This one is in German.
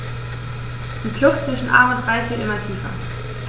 Die Kluft zwischen Arm und Reich wird immer tiefer.